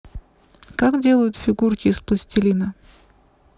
как делают фигурки из пластилина